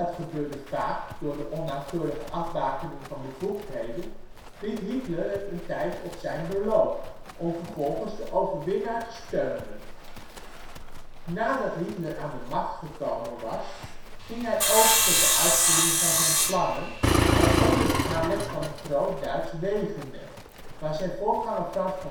gebeurde vaak door de onnauwkeurige afbakening van bevoegdheden) liet Hitler het een tijd zijn beloop, om vervolgens de overwinnaar te steunen. Nadat Hitler aan de macht gekomen was ging hij over tot de uitvoering van zijn plannen, waaronder de aanleg van een groot Duits wegennet, waar zijn voorganger Franz